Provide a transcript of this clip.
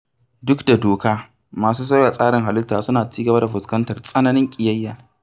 Duk da doka, masu sauya tsarin halitta suna cigaba da fuskantar tsananin ƙiyayya.